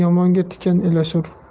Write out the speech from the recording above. yomonga tikan ilashur